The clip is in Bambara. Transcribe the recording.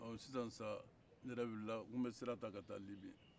ɔ sisan sa n yɛrɛ wulila n ko n bɛ sira ta ka taa libi